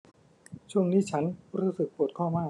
ช่วงนี้ฉันรู้สึกปวดข้อมาก